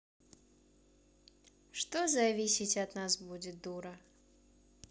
что зависит от нас будет дура